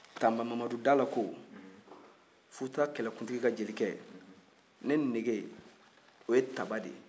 tanba mamadu dala ko futa kɛlɛkuntigi ka jelikɛ ne nege o ye taba de ye